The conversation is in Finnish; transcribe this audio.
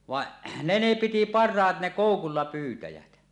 vaan ne ne piti parhaat ne koukulla pyytäjät